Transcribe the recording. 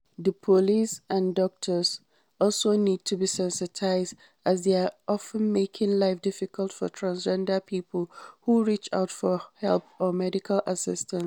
The police and doctors also need to be sensitized as they are often making life difficult for Transgender people who reach out for help or medical assistance.